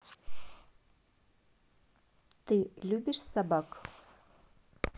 ты любишь собак